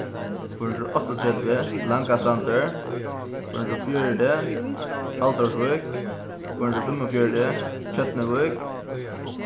fýra hundrað og áttaogtretivu langasandur fýra hundrað og fjøruti haldórsvík fýra hundrað og fimmogfjøruti tjørnuvík